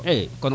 ey